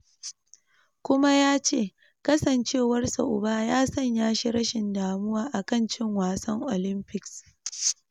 Kuma yace kasancewarsa uba ya sanya shi rashin damuwa akan cin wasan Olympics.